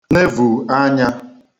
nevù anyā